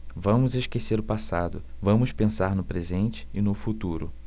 vamos esquecer o passado vamos pensar no presente e no futuro